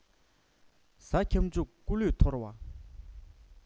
གཟའ ཁྱབ འཇུག སྐུ ལུས ཐོར བ